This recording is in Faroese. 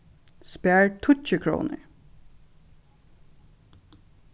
spar tíggju krónur